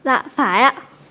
dạ phải ạ